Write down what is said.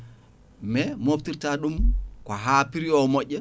mais moftirta ɗum ko ha prix o moƴƴa